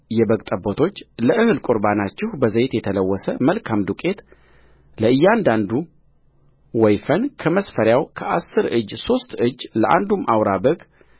የበግ ጠቦቶችለእህል ቍርባናቸው በዘይት የተለወሰ መልካም ዱቄት ለእያንዳንዱ ወይፈን ከመስፈሪያው ከአሥር እጅ ሦስት እጅ ለአንዱም አውራ በግ